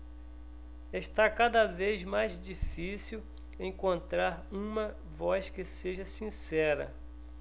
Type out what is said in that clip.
está cada vez mais difícil encontrar uma voz que seja sincera